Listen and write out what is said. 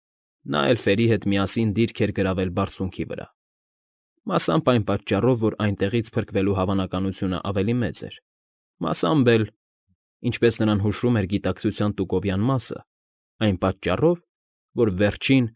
Նա էլֆերի հետ միասին դիրք էր գրավել բարձունքի վրա, մասամբ այն պատճառով, որ այնտեղից փրկվելու հավանակնությունն ավելի մեծ էր, մասամբ էլ (ինչպես նրան հուշում էր գիտակցության տուկովյան մասը) այն պատճառով, որ վերջին։